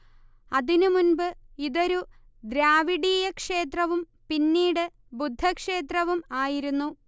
അതിനുമുൻപ് ഇതൊരു ദ്രാവിഡീയക്ഷേത്രവും പിന്നീട് ബുദ്ധക്ഷേത്രവും ആയിരുന്നു